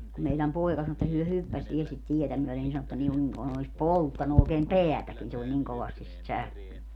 kun meidän poika sanoi että he hyppäsi vielä sitä tietä myöden niin sanoi että niin kuin kuin olisi polttanut oikein päätäkin se oli niin kovasti sitä särkenyt